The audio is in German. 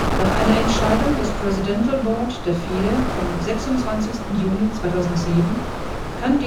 Nach einer Entscheidung des Presidential Board der FIDE vom 26. Juni 2007 kann